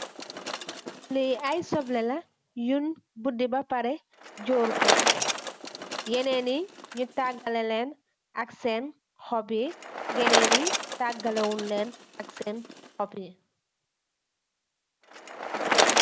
Li ay sobleh la yun buddi ba pareh joor ko, yenen yi ñi tagalelen ak sen xop yi, yenen yi tagaleh huñ len ak sen xop yi.